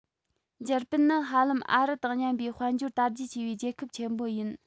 འཇར པན ནི ཧ ལམ ཨ རི དང མཉམ པའི དཔལ འབྱོར དར རྒྱས ཆེ བའི རྒྱལ ཁབ ཆེན པོ ཡིན